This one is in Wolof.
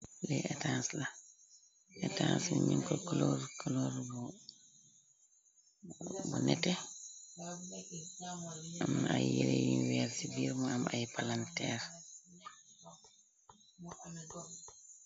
Eetanc miko ko klore bo nete am ay yile uniwerci birm am ay palantar.